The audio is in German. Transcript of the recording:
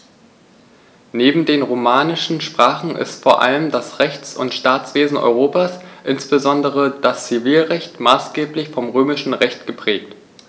Neben den romanischen Sprachen ist vor allem das Rechts- und Staatswesen Europas, insbesondere das Zivilrecht, maßgeblich vom Römischen Recht geprägt.